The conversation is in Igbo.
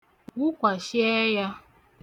wụkwàshi ẹyā